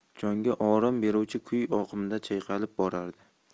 jonga orom beruvchi kuy oqimida chayqalib borardi